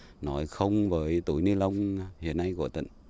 nói không với túi ni lông hiện nay của tỉnh